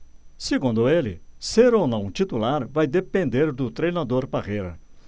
segundo ele ser ou não titular vai depender do treinador parreira